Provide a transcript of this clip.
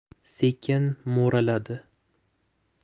sekin mo'raladi